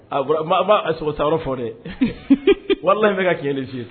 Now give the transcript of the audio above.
A bora ma ma e sogo sanyɔrɔ fɔ dɛ walahi n bɛ ka tiɲɛ de f'i ye